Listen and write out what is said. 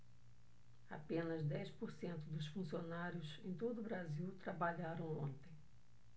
apenas dez por cento dos funcionários em todo brasil trabalharam ontem